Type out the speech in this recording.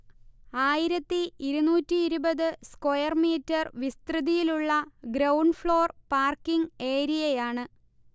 ആയിരത്തി ഇരുന്നൂറ്റി ഇരുപത് സ്ക്വയർ മീറ്റർ വിസ്തൃതിയിലുള്ള ഗ്രൗണ്ട് ഫ്ളോർ പാർക്കിങ് ഏരിയയാണ്